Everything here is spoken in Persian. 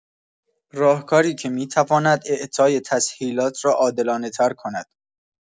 راهکاری که می‌تواند اعطای تسهیلات را عادلانه‌تر کند.